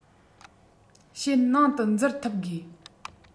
ཤད ནང དུ འཛུལ ཐུབ དགོས